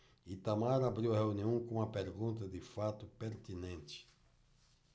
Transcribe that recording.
itamar abriu a reunião com uma pergunta de fato pertinente